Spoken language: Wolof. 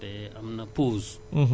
te am na pause